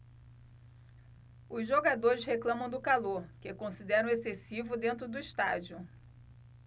os jogadores reclamam do calor que consideram excessivo dentro do estádio